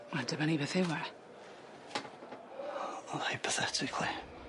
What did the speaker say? Mae'n debynnu beth yw e. Wel hypathetically.